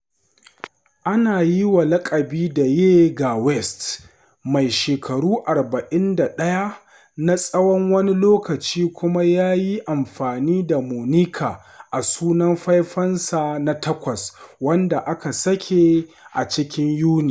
Ana yi wa lakabi da Ye ga West, mai shekaru 41 na tsawon wani lokaci kuma ya yi amfani da moniker a sunan faifansa na takwas, wanda aka sake a cikin Yuni.